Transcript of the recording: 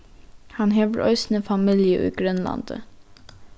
hann hevur eisini familju í grønlandi